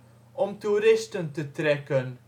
toeristen te trekken